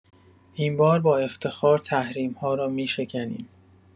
این بار با افتخار تحریم‌ها را می‌شکنیم.